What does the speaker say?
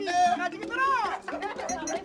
San yo